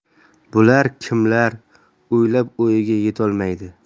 bular kimlar o'ylab o'yiga yetolmaydi